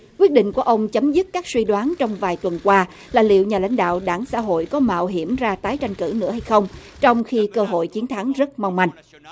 quyết định của ông chấm dứt các suy đoán trong vài tuần qua là liệu nhà lãnh đạo đảng xã hội có mạo hiểm ra tái tranh cử nữa hay không trong khi cơ hội chiến thắng rất mong manh